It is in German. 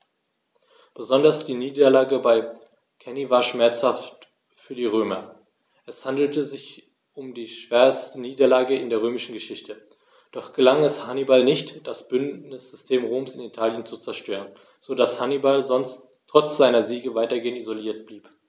Besonders die Niederlage bei Cannae war schmerzhaft für die Römer: Es handelte sich um die schwerste Niederlage in der römischen Geschichte, doch gelang es Hannibal nicht, das Bündnissystem Roms in Italien zu zerstören, sodass Hannibal trotz seiner Siege weitgehend isoliert blieb.